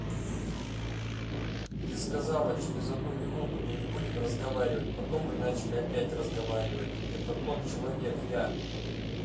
ты сказала через одну минуту мы не будем разговаривать потом мы начали опять разговаривать это тот человек я